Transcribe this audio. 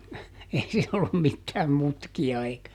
ei siinä ollut mitään mutkia eikä